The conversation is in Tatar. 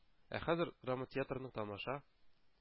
Ә хәзер драмтеатрны тамаша,